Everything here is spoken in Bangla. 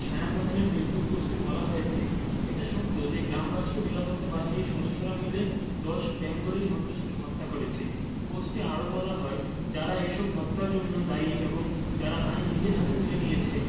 সেনাপ্রধানের ফেসবুক পোস্টে বলা হয়েছে এটা সত্য যে গ্রামবাসী ও নিরাপত্তা বাহিনীর সদস্যরা মিলে ১০ বেঙ্গলি সন্ত্রাসীকে হত্যা করেছে পোস্টে আরো বলা হয় যারা এসব হত্যার জন্য দায়ী এবং যারা আইন নিজের হাতে তুলে নিয়েছে